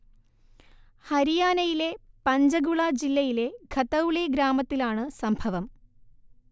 ഹരിയാനയിലെ പഞ്ചഗുള ജില്ലയിലെ ഖത്തൗളി ഗ്രാമത്തിലാണ് സംഭവം